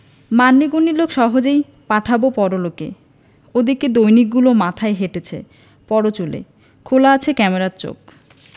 মান্যিগন্যি লোক সহজেই পাঠাবো পরলোকে এদিকে দৈনিকগুলো মাথায় এঁটেছে পরচুলো খোলা আছে ক্যামেরার চোখ